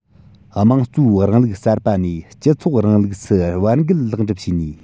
དམངས གཙོའི རིང ལུགས གསར པ ནས སྤྱི ཚོགས རིང ལུགས སུ བར བརྒལ ལེགས འགྲུབ བྱས ནས